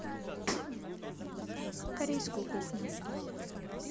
корейскую кухню